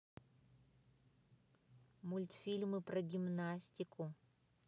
мультфильмы про гимнастику